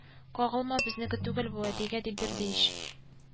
Кагылма безнеке түгел бу әтигә дип бирде ич